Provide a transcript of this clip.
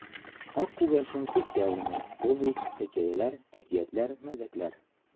Ак күгәрчен күктә уйный: повесть, хикәяләр, әкиятләр, мәзәкләр.